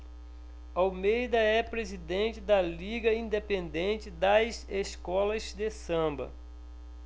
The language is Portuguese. almeida é presidente da liga independente das escolas de samba